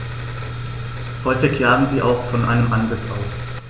Häufig jagen sie auch von einem Ansitz aus.